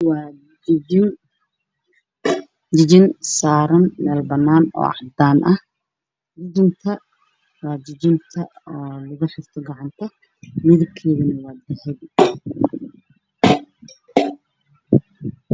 Waxan waa jijin waxayna saran tahay mel banan ah oo cadan ah jijin wa jijinta la surto gacanta midabkedu waa basali